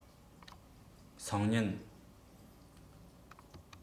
སང ཉིན